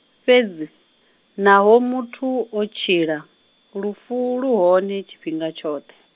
fhedzi naho muthu o tshila, lufu, lu hone tshifhinga tshoṱhe.